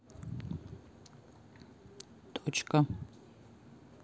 точка